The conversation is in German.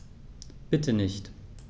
Bitte nicht.